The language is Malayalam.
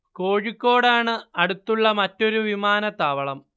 കോഴിക്കോടാണ് അടുത്തുള്ള മറ്റൊരു വിമാനത്താവളം